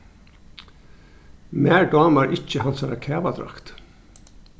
mær dámar ikki hansara kavadrakt